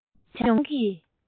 ཚོར བའི མྱོང བྱང གི